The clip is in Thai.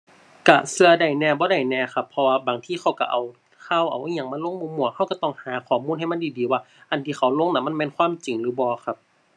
ก็ก็ได้แหน่ บ่ได้แหน่ครับ เพราะว่าบางทีเขาก็เอาข่าว เอาอิหยังมาลงมั่วมั่วก็ก็ต้องหาข้อมูลให้มันดีดีว่าอันที่เขาลงน่ะ มันแม่นความจริงหรือบ่ครับ